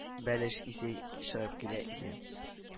Бәлеш исе чыгып килә иде